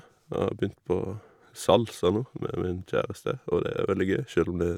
Har begynt på salsa nå med min kjæreste, og det er veldig gøy, sjøl om det...